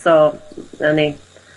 So 'na ni.